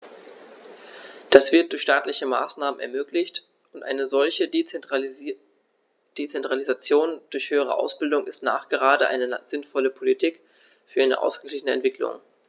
Das wird durch staatliche Maßnahmen ermöglicht, und eine solche Dezentralisation der höheren Ausbildung ist nachgerade eine sinnvolle Politik für eine ausgeglichene Entwicklung.